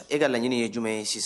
E ka laɲini ye jumɛn ye sisan